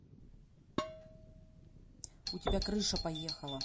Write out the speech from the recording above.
у тебя крыша поехала